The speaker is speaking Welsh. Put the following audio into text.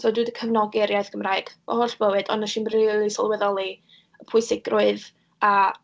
So dwi 'di cefnogi'r iaith Gymraeg fy holl bywyd, ond wnes i'm rili sylweddoli y pwysigrwydd a...